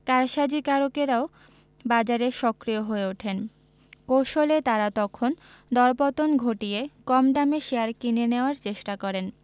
কারসাজিকারকেরাও বাজারে সক্রিয় হয়ে ওঠেন কৌশলে তাঁরা তখন দরপতন ঘটিয়ে কম দামে শেয়ার কিনে নেওয়ার চেষ্টা করেন